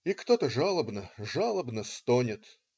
и кто-то жалобно, жалобно стонет.